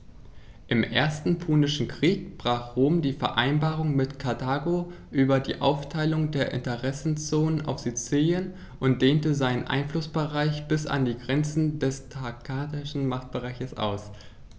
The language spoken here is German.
Im Ersten Punischen Krieg brach Rom die Vereinbarung mit Karthago über die Aufteilung der Interessenzonen auf Sizilien und dehnte seinen Einflussbereich bis an die Grenze des karthagischen Machtbereichs aus.